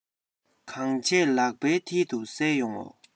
གང བྱས ལག པའི མཐིལ དུ གསལ ཡོང ངོ